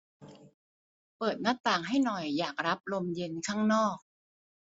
เปิดหน้าต่างให้หน่อยอยากรับลมเย็นข้างนอก